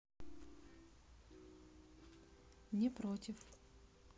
не против